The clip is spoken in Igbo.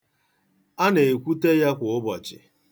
A na-ekwute ya kwa ụbọchị.